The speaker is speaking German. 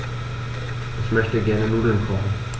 Ich möchte gerne Nudeln kochen.